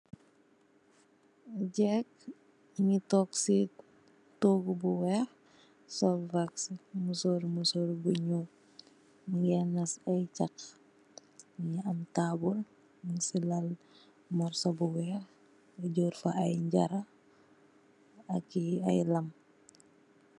Jeeg Mungi tog sey togu bu weih sol vax musoru musoru bu nyuul mungai nass i chaha Mungi am tabul Mungi sey lal moso bu weih mu jurr fa i nyarah aki i lam.